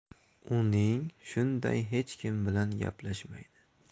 uning shunday hech kim bilan gaplashmaydi